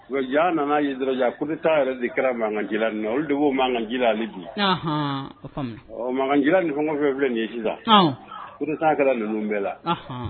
Wa jaa nana ye ko taa yɛrɛ de kɛra makan ji nin olu de b'o makan ji ale bi makan ji ni kɔnfɛn filɛ nin ye sisan kɛra ninnu bɛɛ la